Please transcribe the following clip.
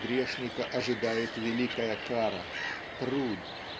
грешника ожидает великая кара -- труд.